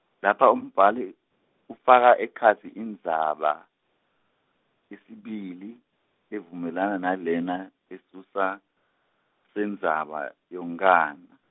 lapha umbhali, ufaka ekhatsi indzaba, yesibili, levumelana nalena, lesusa, sendzaba, yonkhana.